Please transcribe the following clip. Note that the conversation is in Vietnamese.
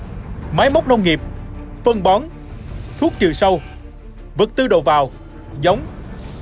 máy móc nông nghiệp phân bón thuốc trừ sâu vật tư đầu vào giống